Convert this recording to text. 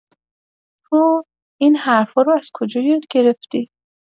تو این حرف‌ها رو از کجا یاد گرفتی؟